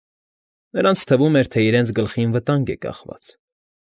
Նրանց թվում էր, թե իրենց գլխին վտանգ է կախված։